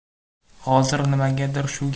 xozir nimagadir shu